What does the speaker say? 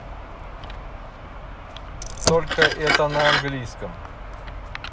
только это на английском